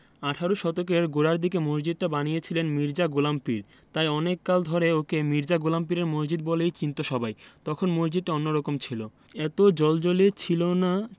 আঠারো শতকের গোড়ার দিকে মসজিদটা বানিয়েছিলেন মির্জা গোলাম পীর তাই অনেক কাল ধরে একে মির্জা গোলাম পীরের মসজিদ বলেই চিনতো সবাই তখন মসজিদটা অন্যরকম ছিল এত জ্বলজ্বলে ছিল না